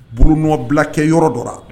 Burumɔbilakɛ yɔrɔ dɔ la